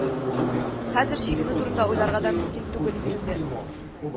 Хәзер чигенү турында уйларга да мөмкин түгел иде инде